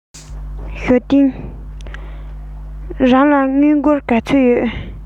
ཞའོ ཏིང རང ལ དངུལ སྒོར ག ཚོད ཡོད